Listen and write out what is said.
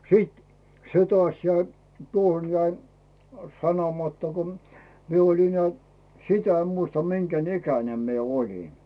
sitten se taas jäi tuohon jäi sanomatta kun minä olin näet sitä en muista minkä ikäinen minä olin